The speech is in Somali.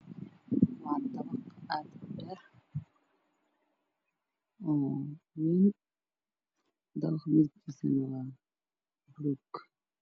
Waa dabaq aad udheer oo wayn dabaqa midabkiisa waa buluug